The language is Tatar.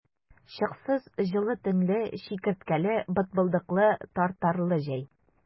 Чыксыз җылы төнле, чикерткәле, бытбылдыклы, тартарлы җәй!